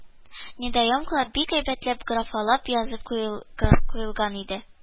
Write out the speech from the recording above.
Недоимкалар бик әйбәтләп, графалап язып куелган иде